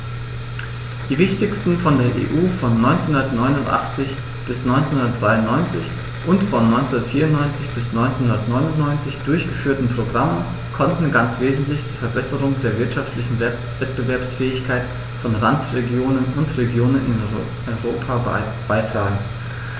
Die wichtigsten von der EU von 1989 bis 1993 und von 1994 bis 1999 durchgeführten Programme konnten ganz wesentlich zur Verbesserung der wirtschaftlichen Wettbewerbsfähigkeit von Randregionen und Regionen in Europa beitragen.